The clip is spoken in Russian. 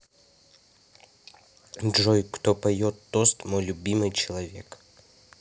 джой кто поет тост мой любимый человек